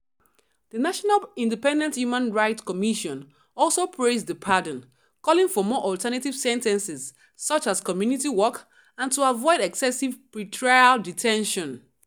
The National Independent Human Rights Commission also praised the pardon, calling for more alternative sentences, such as community work, and to avoid excessive pretrial detention.